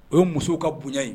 O ye musow ka bonya ye